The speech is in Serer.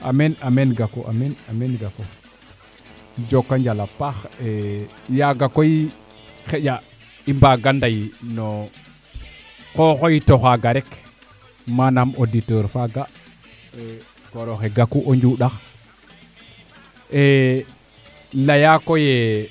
amiin amiin amiin Gakou amiin Gakou jokonjal a paax yaga koy xaƴa i mbaga ndey no o xooyto xaaga rek manaam auditeur faaga koroxe gakou o Ndioundax e leya koye